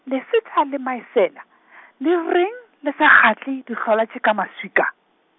Lesetša le Maesela , le reng le sa kgahle dihlola tše ka maswika?